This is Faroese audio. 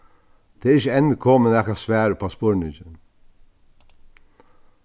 tað er ikki enn komið nakað svar upp á spurningin